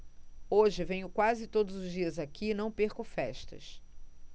hoje venho quase todos os dias aqui e não perco festas